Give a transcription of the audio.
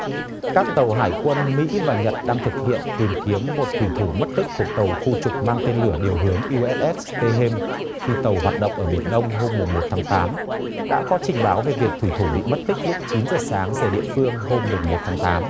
các tàu hải quân mỹ và nhật đang thực hiện tìm kiếm một thủy thủ mất tích thuộc tàu khu trục mang tên lửa điều hướng iu ét ét tê hêm khi tàu hoạt động ở biển đông hôm mùng một tháng tám đã có trình báo về việc thủy thủ bị mất tích lúc chín giờ sáng giờ địa phương hôm mùng một tháng tám